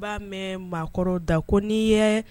Bɛɛ b'a mɛn maakɔrɔw da ko n'i ye